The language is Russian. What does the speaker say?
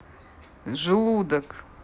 желудок